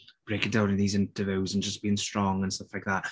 breaking down in these interviews and just being strong and stuff like that.